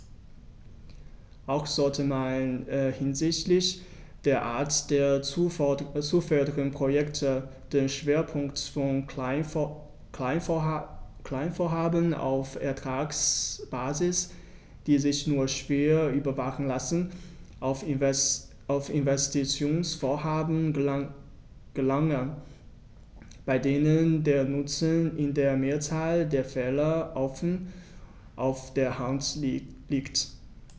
Auch sollte man hinsichtlich der Art der zu fördernden Projekte den Schwerpunkt von Kleinvorhaben auf Ertragsbasis, die sich nur schwer überwachen lassen, auf Investitionsvorhaben verlagern, bei denen der Nutzen in der Mehrzahl der Fälle offen auf der Hand liegt.